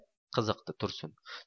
qizikdi tursun